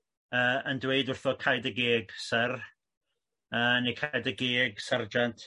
yy yn dweud wrtho cau dy geg Syr yy neu cau dy geg sarjant